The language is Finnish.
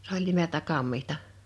se oli nimeltä kammitsa